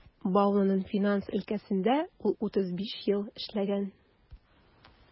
Баулының финанс өлкәсендә ул 35 ел эшләгән.